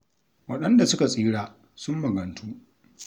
Waɗanda suka tsira sun magantu